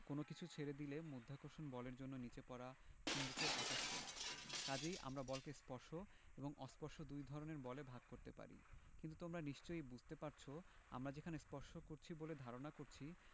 কোনো কিছু ছেড়ে দিলে মাধ্যাকর্ষণ বলের জন্য নিচে পড়া চুম্বকের আকর্ষণ কাজেই আমরা বলকে স্পর্শ এবং অস্পর্শ দুই ধরনের বলে ভাগ করতে পারি কিন্তু তোমরা নিশ্চয়ই বুঝতে পারছ আমরা যেখানে স্পর্শ করছি বলে ধারণা করছি